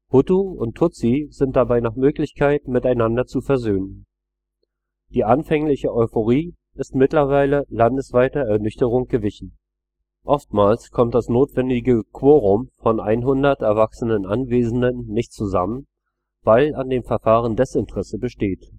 Hutu und Tutsi sind dabei nach Möglichkeit miteinander zu versöhnen. Die anfängliche Euphorie ist mittlerweile landesweiter Ernüchterung gewichen. Oftmals kommt das notwendige Quorum von 100 erwachsenen Anwesenden nicht zusammen, weil an den Verfahren Desinteresse besteht